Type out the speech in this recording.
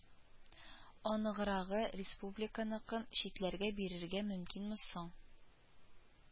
Аныграгы республиканыкын читләргә бирергә мөмкинме соң